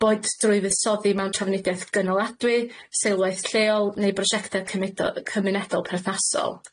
boed t- trwy fuddsoddi mewn trafnidiaeth gynaladwy, seilwaith lleol, neu brosiecte cymedo- cymunedol perthnasol.